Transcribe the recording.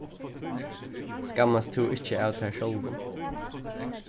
skammast tú ikki av tær sjálvum